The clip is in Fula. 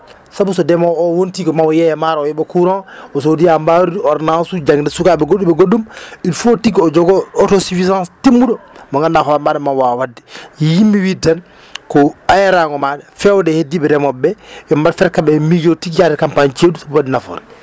sabu so ndemoowo oo wontii ko maa o yeeya maaro o yoɓa courant o soodoya barudi e ordonnance uji jangnde sukaaɓe goɗɗum e goɗɗum il faut tigi o jogoo autosuffisance timmuɗo mo nganduɗaa hoore maɗa ma waawa waɗde yiɗmi wiide tan ko ayeraango maaɗa feewde heddiiɓe remooɓe ɓe yo ɓe mbat feere kamɓe miijoo tigi yaade campagne ceeɗu waɗi nafoore